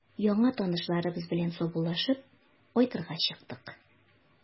Яңа танышларыбыз белән саубуллашып, кайтырга чыктык.